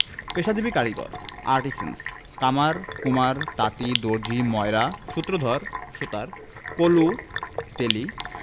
পেশাজীবী কারিগরঃ আর্টিসেন্স কামার কুমার তাঁতি দর্জি ময়রা সূত্রধর সুতার কলু তেলী